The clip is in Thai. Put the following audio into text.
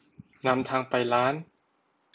นำทางไปร้าน